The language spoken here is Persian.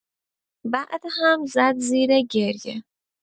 بعد هم زد زیر گریه.